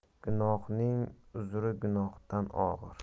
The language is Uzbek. gunohning uzri gunohdan og'ir